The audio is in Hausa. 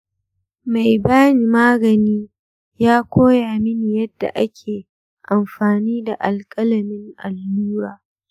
mai bani magani ya koya mini yadda ake amfani da alƙalamin allura.